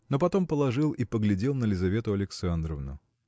но потом положил и поглядел на Лизавету Александровну.